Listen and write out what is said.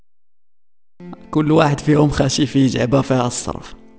كل واحد في ام خالتي في لعبه فيها الصرف